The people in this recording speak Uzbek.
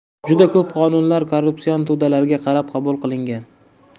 juda ko'p qonunlar korrupsion to'dalarga qarab qabul qilingan